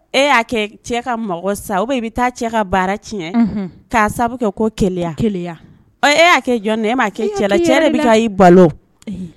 E ya kɛ cɛ ka mɔgɔ sa o i bɛ taa cɛ ka baara tiɲɛ k'a sababu kɛ ko ke keya e'a kɛ jɔn e m'a kɛ balo